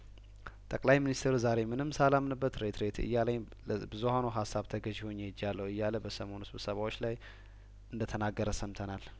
ጠቅላይ ሚኒስትሩ ዛሬ ምንም ሳላምንበት ሬት ሬት እያለኝ ለብዙሀኑ ሀሳብ ተገዥ ሆኜ ሄጃለሁ እያለ በሰሞኑ ስብሰባዎች ላይ እንደ ተናገረ ሰምተናል